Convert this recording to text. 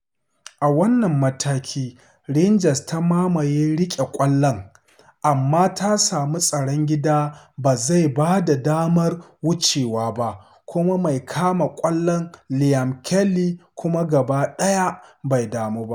A wannan mataki, Rangers ta mamaye riƙe ƙwallo amma ta sami tsaron gidan ba zai ba da damar wucewa ba kuma mai kama ƙwallo Liam Kelly kuma gaba ɗaya bai damu ba.